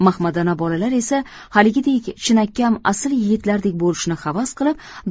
mahmadona bolalar esa haligidek chinakam asil yigitlardek bo'lishni havas qilib